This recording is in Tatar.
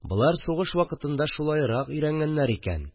Болар сугыш вакытында шулайрак өйрәнгәннәр икән